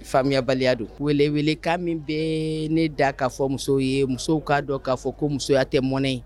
Faamuyayabali don weleele ka min bɛ ne da k'a fɔ musow ye musow'a dɔn k'a fɔ ko musoya tɛ mɔnɛ